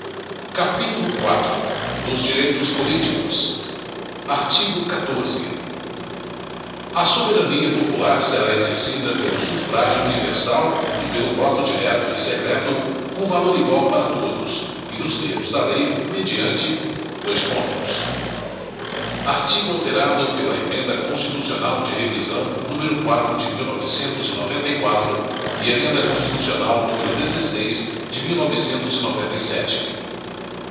capítulo quatro dos direitos políticos artigo catorze a soberania popular será exercida pelo sufrágio universal e pelo voto direto e secreto com valor igual para todos e nos termos da lei mediante dois pontos artigo alterado pela emenda constitucional de revisão número quatro de mil novecentos e noventa e quatro e emenda constitucional número dezesseis de mil novecentos e noventa e sete